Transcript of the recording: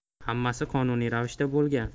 hammasi qonuniy ravishda bo'lgan